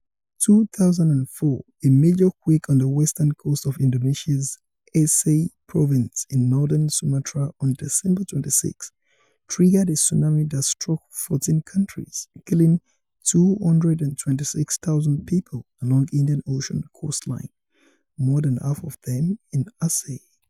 2004: A major quake on the western coast of Indonesia's Aceh province in northern Sumatra on Dec. 26 triggered a tsunami that struck 14 countries, killing 226,000 people along Indian Ocean coastline, more than half of them in Aceh.